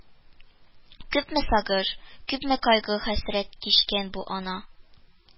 Күпме сагыш, күпме кайгы-хәсрәт кичкән бу Ана